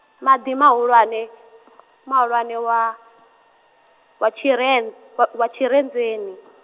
maḓi mahulwane, mahulwane wa, wa Tshiren-, wa wa Tshirenzheni.